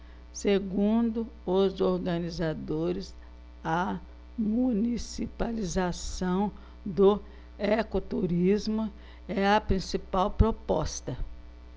segundo os organizadores a municipalização do ecoturismo é a principal proposta